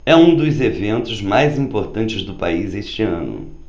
é um dos eventos mais importantes do país este ano